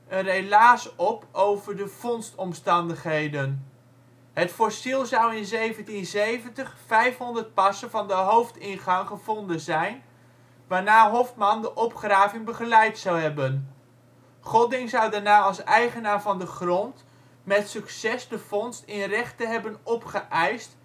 relaas op over de vondstomstandigheden. Het fossiel zou in 1770 vijfhonderd passen van de hoofdingang gevonden zijn waarna Hoffmann de opgraving begeleid zou hebben. Godding zou daarna als eigenaar van de grond met succes de vondst in rechte hebben opgeëist